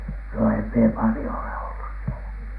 no en minä paljon ole ollut siellä